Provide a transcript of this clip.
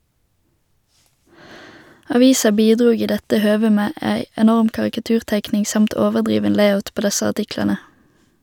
Avisa bidrog i dette høvet med ei enorm karikaturteikning, samt overdriven layout, på desse artiklane.